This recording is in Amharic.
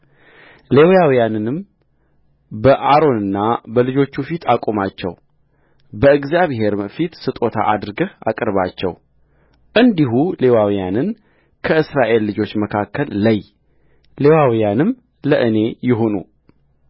ሌዋውያንንም በአሮንና በልጆቹ ፊት አቁማቸው በእግዚአብሔርም ፊት ስጦታ አድርገህ አቅርባቸውእንዲሁ ሌዋውያንን ከእስራኤል ልጆች መካከል ለይ ሌዋውያንም ለእኔ ይሁኑ